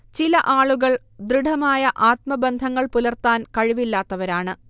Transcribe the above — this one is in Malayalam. ചില ആളുകൾ ദൃഢമായ ആത്മബന്ധങ്ങൾ പുലർത്താൻ കഴിവില്ലാത്തവരാണ്